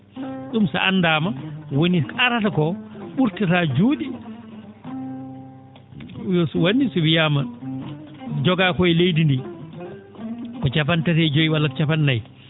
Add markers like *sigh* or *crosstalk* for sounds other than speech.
?um so anndaama woni ko arata kooo ?urtataa juu?e *hesitation* so wa?i so wiyaama jogaa koye leydi ndi ko cappan tati e joyi walla cappan nayi